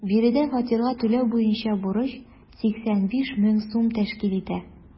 Биредә фатирга түләү буенча бурыч 85 мең сум тәшкил итә.